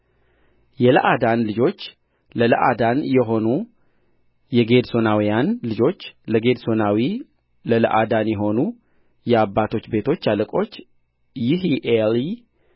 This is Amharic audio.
የለአዳን ልጆች ለለአዳን የሆኑ የጌድሶናውያን ልጆች ለጌድሶናዊ ለለአዳን የሆኑ የአባቶች ቤቶች አለቆች ይሒኤሊ